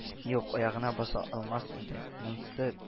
Юк, аягына баса алмас инде — монсы